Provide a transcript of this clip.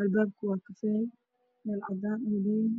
albaabka waa cadaan darbiga waa caddaanHalkaan waa qol dheer ayaa ka ifaayo oo midabkiisu yahay albaabka waa cadaan darbiga waa caddaan